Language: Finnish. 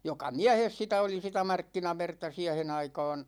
joka miehessä sitä oli sitä markkinaverta siihen aikaan